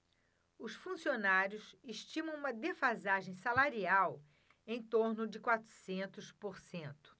os funcionários estimam uma defasagem salarial em torno de quatrocentos por cento